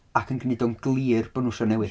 Ac yn gwneud o'n glir bod nhw isio'r newid.